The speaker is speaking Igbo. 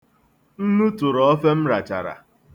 Nnu tụrụ ofe m rachara.